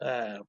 yy